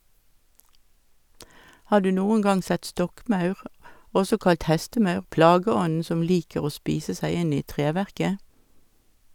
Har du noen gang sett stokkmaur, også kalt hestemaur, plageånden som liker å spise seg inn i treverket?